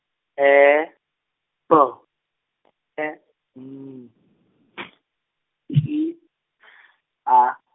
E, B , E, N, T, I, S, A .